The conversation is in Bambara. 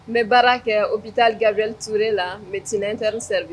N bɛ baara kɛ hôpital Gabriel Touré, médecine interne servi _